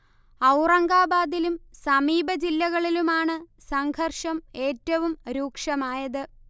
ഔറംഗാബാദിലും സമീപ ജില്ലകളിലുമാണ് സംഘർഷം ഏറ്റവും രൂക്ഷമായത്